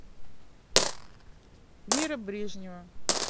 вера брежнева